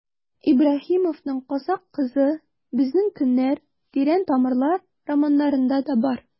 Ибраһимовның «Казакъ кызы», «Безнең көннәр», «Тирән тамырлар» романнарында да бар.